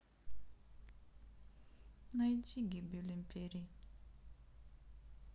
найди гибель империи